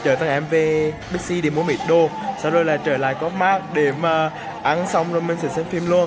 chở thằng em về bigc để mua ít đồ sau rồi lại trở lại coopmart để mà ăn xong rồi mình sẽ xem phim luôn